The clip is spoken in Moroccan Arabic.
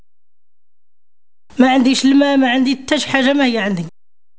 ما عندي شي ما عندي التشهد ما عندي